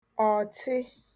ọ̀tị